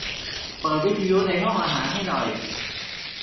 เปิดวิทยุในห้องอาหารให้หน่อย